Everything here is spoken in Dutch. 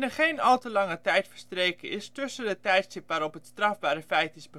geen al te lange tijd verstreken is tussen het tijdstip waarop het strafbare feit